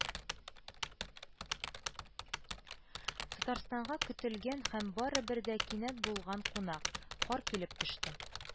Татарстанга көтелгән һәм барыбер дә кинәт булган кунак - кар килеп төште